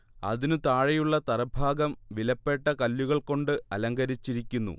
അതിനു താഴെയുള്ള തറ ഭാഗം വിലപ്പെട്ട കല്ലുകൾ കൊണ്ട് അലങ്കരിച്ചിരിക്കുന്നു